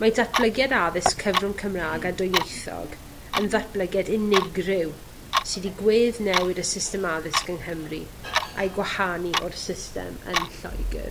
Mae datblygiad addysg cyfrwng Cymra'g a dwyieithog yn ddatblygiad unigryw sy 'di gweddnewid y system addysg yng Nghymru a'i gwahanu o'r system yn Lloegyr.